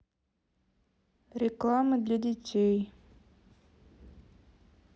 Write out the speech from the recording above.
рекламы для детей